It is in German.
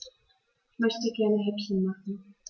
Ich möchte gerne Häppchen machen.